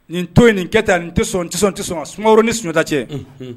Nin to yen, nin kɛ ta, n tɛ sɔn, n tɛ sɔn,n tɛ sɔn, Sumaworo ni Sunjata cɛ